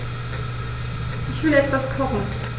Ich will etwas kochen.